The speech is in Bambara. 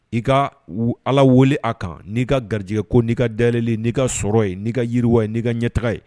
I ka ala weele a kan, n'i ka garsigɛ ko, n'i ka dayɛlenni, n'i ka sɔrɔ ye, n'i ka yiriwa ye, n'i ka ɲɛtaga ye